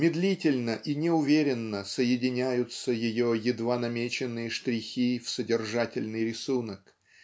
Медлительно и неуверенно соединяются ее едва намеченные штрихи в содержательный рисунок